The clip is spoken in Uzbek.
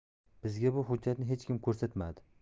bizga bu hujjatni hech kim ko'rsatmadi